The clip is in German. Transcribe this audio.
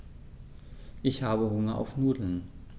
Ich habe Hunger auf Nudeln.